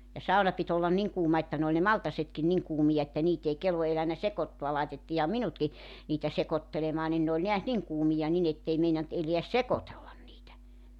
ja sauna piti olla niin kuuma että ne oli ne maltaatkin niin kuumia että niitä ei kelvon elänyt sekoittaa laitettiinhan minutkin niitä sekoittelemaan niin ne oli näet niin kuumia niin että ei meinannut elää sekoitella niitä